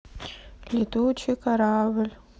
летучий корабль